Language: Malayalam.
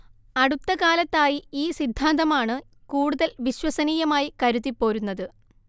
അടുത്ത കാലത്തായി ഈ സിദ്ധാന്തമാണ് കൂടുതൽ വിശ്വസനീയമായി കരുതിപ്പോരുന്നത്‌